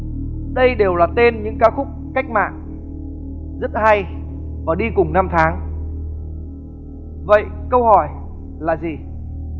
đây đều là tên những ca khúc cách mạng rất hay và đi cùng năm tháng vậy câu hỏi là gì